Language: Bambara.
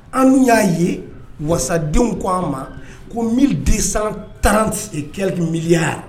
An y'a ye wadenw ko a ma ko mi desan tan kɛ tun miyaya